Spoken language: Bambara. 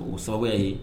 O sababu ye